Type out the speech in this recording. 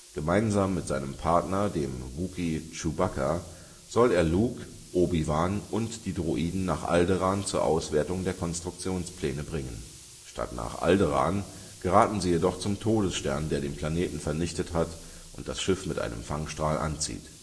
Gemeinsam mit seinem Partner, dem Wookie Chewbacca, soll er Luke, Obi-Wan und die Droiden nach Alderaan zur Auswertung der Konstruktionspläne bringen. Statt dem Planeten geraten sie jedoch zum Todesstern, der Alderaan vernichtet hat und das Schiff mit einem Fangstrahl anzieht